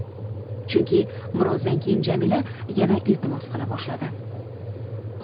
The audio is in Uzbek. chunki birozdan keyin jamila yana iltimos qila boshladi